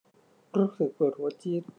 รู้สึกปวดหัวจี๊ด